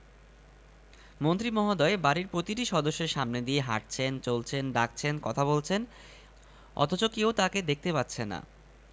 কথা শুনছেন এ রকম কিছু মনে হলো না এগিয়ে গিয়ে স্ত্রীর গায়ে হাত রাখলেন নাম ধরে ডাকলেন চিৎকার করলেন কিন্তু তাতে অবস্থার পরিবর্তন হলো না